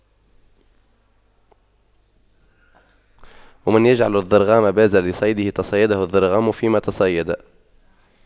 ومن يجعل الضرغام بازا لصيده تَصَيَّدَهُ الضرغام فيما تصيدا